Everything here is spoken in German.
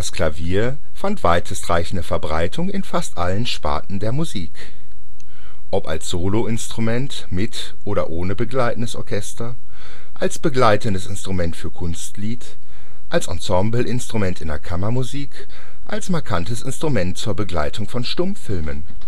Klavier fand weitestreichende Verbreitung in fast allen Sparten der Musik. Ob als Soloinstrument mit oder ohne begleitendes Orchester, als begleitendes Instrument für Kunstlied, als Ensemble-Instrument in der Kammermusik, als markantes Instrument zur Begleitung von Stummfilmen